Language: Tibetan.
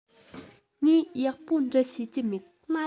ངས ཡག པོ འབྲི ཤེས ཀྱི མེད